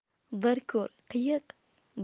bir ko'r qiyiq